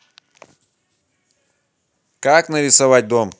как нарисовать дом